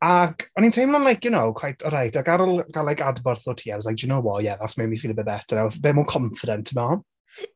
Ac, o'n i'n teimlo'n like you know quite alright ac ar ôl cael like adborth o ti, I was like, do you know what yeah that's made me feel a bit better. Bit more confident, tibod?